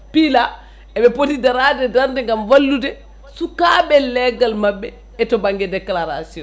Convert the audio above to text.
piila eɓe pooti darade darde gam wallude sukaɓe leegal mabɓe e to banggue déclaration